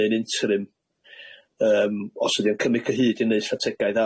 neu'n intyrim yym os ydi o'n cymryd cyhyd i neud strategaeth